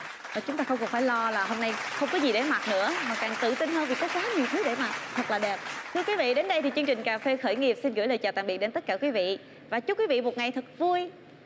và chúng ta không còn phải lo là hôm nay không có gì để mặc nữa mà càng tự tin hơn vì có quá nhiều thứ để mặc thật là đẹp thưa quý vị đến đây thì chương trình cà phê khởi nghiệp xin gửi lời chào tạm biệt đến tất cả quý vị và chúc quý vị một ngày thật vui